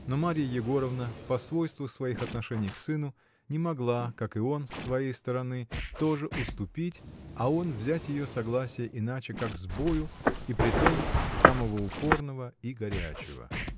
Но Марья Егоровна, по свойству своих отношений к сыну, не могла, как и он, с своей стороны, тоже уступить, а он взять ее согласие иначе как с бою, и притом самого упорного и горячего.